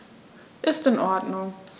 Ist in Ordnung.